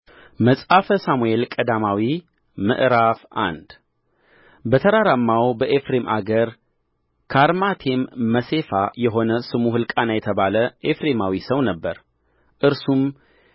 መጽሐፈ ሳሙኤል ቀዳማዊ ምዕራፍ አንድ በተራራማው በኤፍሬም አገር ከአርማቴም መሴፋ የሆነ ስሙ ሕልቃና የተባለ ኤፍሬማዊ ሰው ነበረ እርሱም